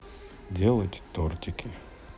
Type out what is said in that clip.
делать тортики